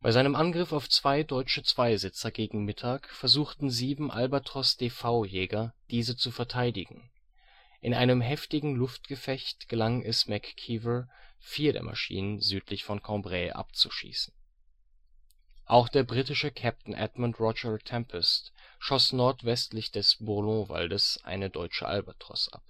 seinem Angriff auf zwei deutsche Zweisitzer gegen Mittag versuchten sieben Albatros D.V Jäger diese zu verteidigen. In einem heftigen Luftgefecht gelang es McKeever vier der Maschinen südlich von Cambrai abzuschießen. Auch der britische Captain Edmund Roger Tempest schoss nordwestlich des Bourlon Waldes eine deutsche Albatros ab